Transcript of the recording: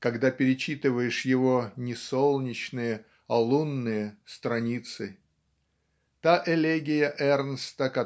когда перечитываешь его не солнечные а лунные страницы. Та элегия Эрнста